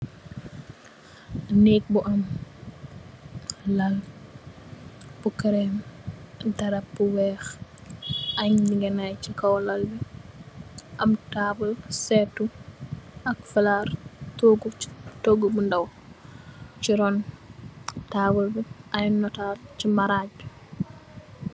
Nèeg bu am lal, bu kirèm ak darap bu weeh, ay ngegenaay chi kaw dal bi, am taabul, sèttu ak flor, toogu bu ndaw chi ron taabul bi, ay natal chi maraj bi.